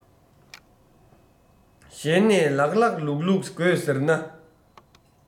གཞན ནས ལགས ལགས ལུགས ལུགས དགོས ཟེར ན